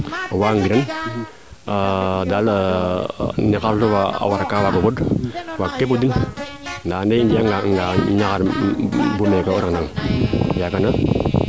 o waaga ngiran daal no xaal fe warna waago fod waag kino duuf nda ande i njega nga Niakhar yaaga nak